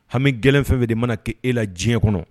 Hami gɛlɛn fɛn de mana k' ee la diɲɛ kɔnɔ